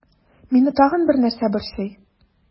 Мине тагын бер нәрсә борчый.